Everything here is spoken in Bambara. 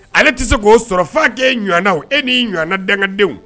Ale tɛ se k'o sɔrɔ fɔ a k'e ɲɔɔnna e n'i ɲɔɔnana dankadenw